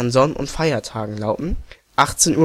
Sonn - und Feiertagen lauten: 18.00